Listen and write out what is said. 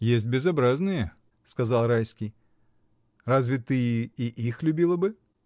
— Есть и безобразные, — сказал Райский, — разве ты и их любила бы?.